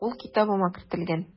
Ул китабыма кертелгән.